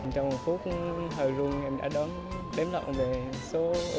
trong một phút hơi run em đã đoán đếm lộn về số